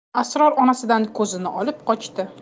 asror onasidan ko'zini olib qochdi